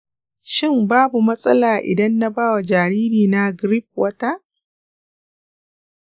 shin babu matsala idan na ba wa jaririna gripe water?